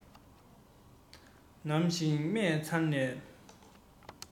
ནམ ཞིག རྨས ཚར རམ